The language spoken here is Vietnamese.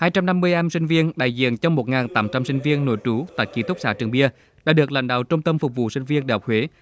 hai trăm năm mươi em sinh viên đại diện cho một ngàn tám trăm sinh viên nội trú tại ký túc xá trường bia đã được lãnh đạo trung tâm phục vụ sinh viên đại học huế